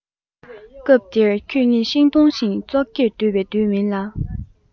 སྐབས དེར ཁྱོད ཉིད ཤིང སྡོང བཞིན ཙོག གེར སྡོད པའི དུས མིན ལ